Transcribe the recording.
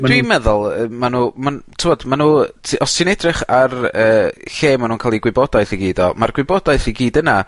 Dwi'n meddwl yy ma nw ma'n t'od ma' nw t- os ti'n edrych ar yy lle ma' nw'n ca'l 'u gwybodaeth i gyd o ma'r gwybodaeth i gyd yna